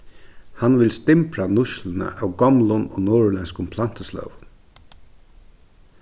hann vil stimbra nýtsluna av gomlum og norðurlendskum plantusløgum